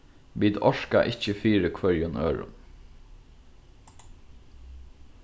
vit orka ikki fyri hvørjum øðrum